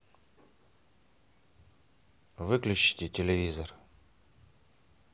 выключите телевизор